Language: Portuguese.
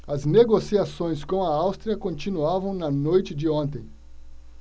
as negociações com a áustria continuavam na noite de ontem